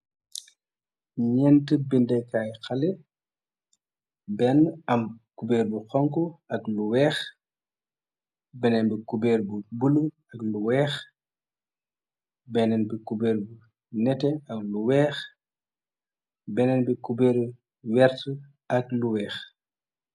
Nyenti binde kai aye hale, bena am kuber bu hunhu ak wekh, bene bi kuber bu blu ak wekh, bene bi kuber nete ak wekh, benen bi kuber bu werte ak wekh